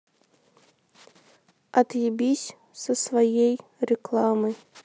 отъебись со своей рекламой